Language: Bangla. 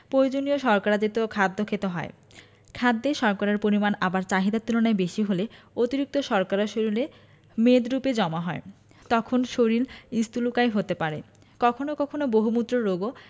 পয়োজনীয় শর্করা জাতীয় খাদ্য খেতে হয় খাদ্যে শর্করার পরিমাণ আবার চাহিদার তুলনায় বেশি হলে অতিরিক্ত শর্করা শরীলে মেদরুপে জমা হয় তখন শরীল স্থুলকায় হতে পারে কখনো কখনো বহুমূত্র রোগও